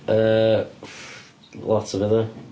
Yy lot o bethau.